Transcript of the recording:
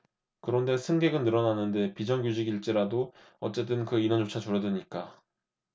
그런데 승객은 늘어나는데 비정규직일지라도 어쨌든 그 인원조차 줄어드니까